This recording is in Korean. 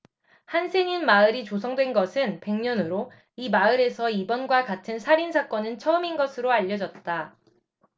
한센인 마을이 조성된 것은 백 년으로 이 마을에서 이번과 같은 살인 사건은 처음인 것으로 알려졌다